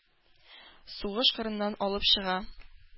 Сугыш кырыннан алып чыга.